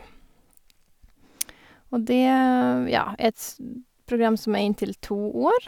Og det, v ja, er et program som er inntil to år.